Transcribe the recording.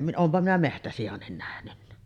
olenpa minä metsäsiankin nähnyt